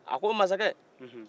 a ko masakɛ